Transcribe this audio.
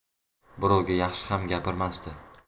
birovga yaxshi ham gapirmasdi